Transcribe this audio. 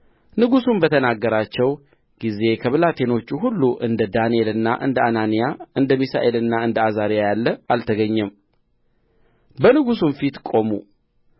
ንጉሡም በተነጋገራቸው ጊዜ ከብላቴኖቹ ሁሉ እንደ ዳንኤልና እንደ አናንያ እንደ ሚሳኤልና እንደ አዛርያ ያለ አልተገኘም በንጉሡም ፊት ቆሙ